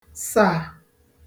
sà